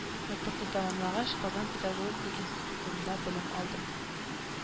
Мәктәпне тәмамлагач, Казан педагогика институтында белем алдым